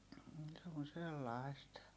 - se on sellaista